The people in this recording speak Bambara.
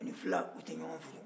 u ni fila u tɛ ɲɔgɔn furu